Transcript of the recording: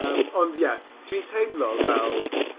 Yym ond ie, dwi'n teimlo fel